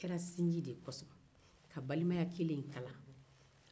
furu kɛra walasa ka balimaya kelen in kala